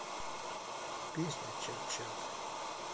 песня чат чат